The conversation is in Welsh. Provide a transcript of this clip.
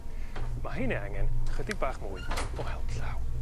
Ma' heine angen chydig bach mwy o help llaw.